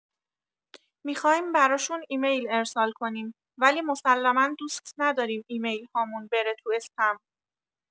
می‌خواییم براشون ایمیل ارسال کنیم ولی مسلما دوست نداریم ایمیل‌هامون بره تو اسپم.